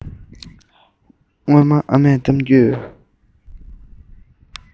ལྟ བུའི ཁ བ བབས པའི ཞོགས པ